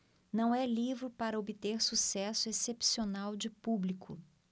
não é livro para obter sucesso excepcional de público